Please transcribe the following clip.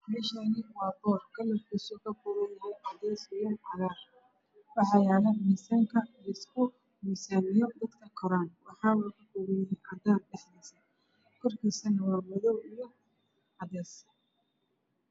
Meeshaani waa boor kalarkiisa uu kakoobayahay cadays iyo caagar waxaa yaalo miisaanka la isku miisaamiyi dadka koraan waxaa cadaan korkiisana waa madow iyo cadays